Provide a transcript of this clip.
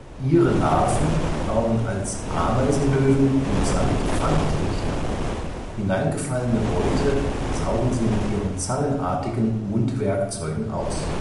Ihre Larven bauen als Ameisenlöwen im Sand Fangtrichter; hineingefallene Beute saugen sie mit ihren zangenartigen Mundwerkzeugen aus